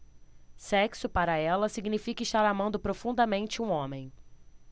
sexo para ela significa estar amando profundamente um homem